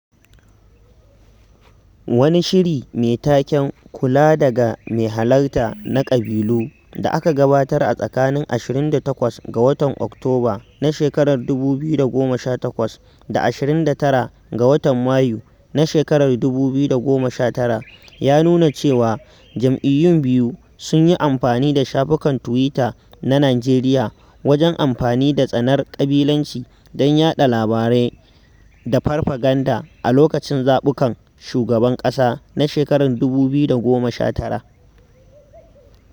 Wani shiri mai taken 'kula daga mai halarta na ƙabilu' da aka gabatar tsakanin 28 ga watan Oktoba na shekarar 2018 da 29 ga watan Mayu na shekarar 2019 ya nuna cewa jam'iyyun biyu sun yi amfani da shafukan tuwita na Nijeriya wajen amfani da tsanar ƙabilanci don yaɗa labaran ƙarya da farfaganda a lokacin zaɓukan shugaban ƙasa na shekarar 2019.